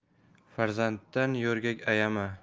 farzanddan yo'rgak ayama